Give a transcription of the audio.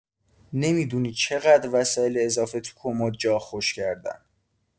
نمی‌دونی چقدر وسایل اضافه تو کمد جا خوش کردن!